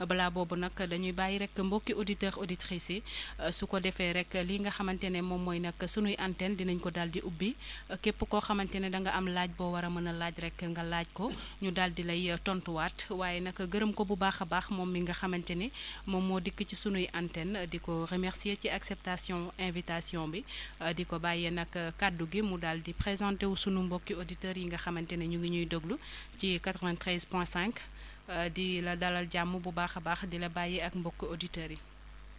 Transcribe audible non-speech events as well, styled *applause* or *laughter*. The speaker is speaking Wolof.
balaa boobu nag dañuy bàyyi rek mbokki auditeurs auditrices yi *breath* su ko defee rek lii nga xamante ne moom mooy nag suñuy antennes dinañ ko daal di ubbi *breath* képp koo xamante ne da nga am laaj boo war a mën a laaj rek nga laaj ko ñu daal di lay tontuwaat waaye nag gërëm ko bu baax a baax moom mi nga xamante ni moom moo dikk si suñuy antenne di ko remercié ci acceptation invitation bi *breath* di ko bàyyi nag *hesitation* kaddu gi mu daal di présenté wu sunu mbokki auditeurs yi nga xamante ne ñu ngi ñuy déglu *breath* ci 93 point 5 *hesitation* di la dalal jàmm bu baax a baax di la bàyyi ak mbokku auditeurs yi